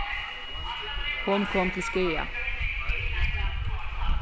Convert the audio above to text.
hon kom til skaða